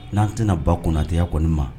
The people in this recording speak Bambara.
N'an tɛna ba kunnatɛya kɔni ma